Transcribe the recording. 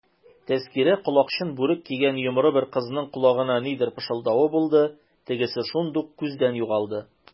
Тәзкирә колакчын бүрек кигән йомры бер кызның колагына нидер пышылдавы булды, тегесе шундук күздән югалды.